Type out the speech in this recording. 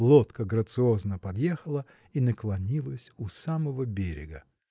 лодка грациозно подъехала и наклонилась у самого берега.